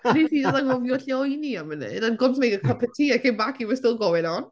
O'n ni 'di anghofio lle oedd ni am funud I'd gone to make a cup of tea and come back you were still going on.